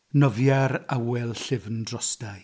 Nofiai'r awel llyfn drosta i.